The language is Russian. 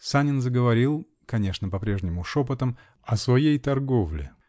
Санин заговорил -- конечно, по-прежнему, шепотом -- о своей "торговле"